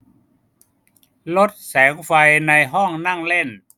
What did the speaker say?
ลดแสงไฟในห้องนั่งเล่น